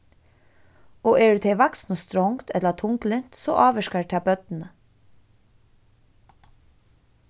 og eru tey vaksnu strongd ella tunglynt so ávirkar tað børnini